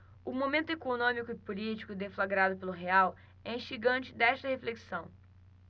o momento econômico e político deflagrado pelo real é instigante desta reflexão